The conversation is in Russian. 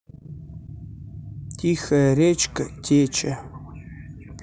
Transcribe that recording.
тихая речка теча